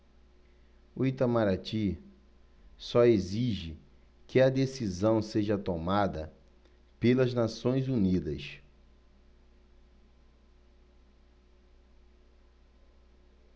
o itamaraty só exige que a decisão seja tomada pelas nações unidas